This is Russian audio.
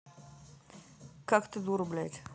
как ты дура блядь